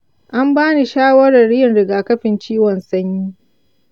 an bani shawarar yin rigakafin ciwon sanyi